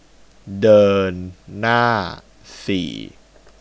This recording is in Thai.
เดินหน้าสี่